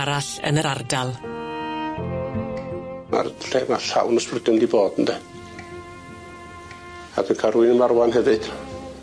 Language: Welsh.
arall yn yr ardal. Ma'r lle 'ma llawn ysbrydion di bod ynde?A dwi'n ca'l rywun yma rŵan hefyd